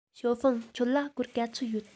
ཞའོ ཧྥང ཁྱོད ལ སྒོར ག ཚོད ཡོད